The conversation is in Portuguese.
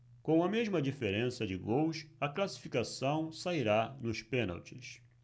com a mesma diferença de gols a classificação sairá nos pênaltis